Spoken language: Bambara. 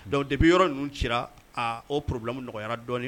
Dɔnku debi yɔrɔ ninnu ci o porobibilama nɔgɔyara dɔɔnin